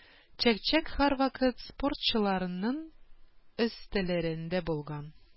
Чәк-чәк һәрвакыт спортчыларның өстәлләрендә булган.